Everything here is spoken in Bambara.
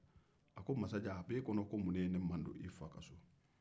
masajan a b'e kɔnɔ mun ye ne madon e fa ka so kɔnɔ